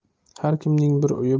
har kimning bir o'yi